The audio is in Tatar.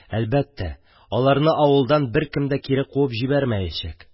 Әлбәттә, аларны авылдан беркем дә кире куып җибәрмәячәк.